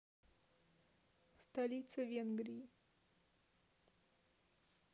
столица венгрии